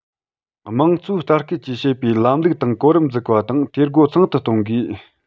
དམངས གཙོས ལྟ སྐུལ བཅས བྱེད པའི ལམ ལུགས དང གོ རིམ འཛུགས པ དང འཐས སྒོ ཚང དུ གཏོང དགོས